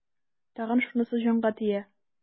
Тагын шунысы җанга тия.